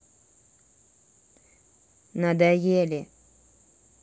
надоели